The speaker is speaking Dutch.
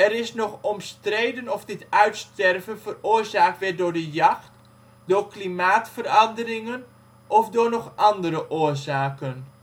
is nog omstreden of dit uitsterven veroorzaakt werd door de jacht, door klimaatveranderingen of door nog andere oorzaken